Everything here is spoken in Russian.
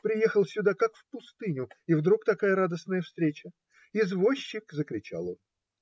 Приехал сюда, как в пустыню, - и вдруг такая радостная встреча. Извозчик! - закричал он.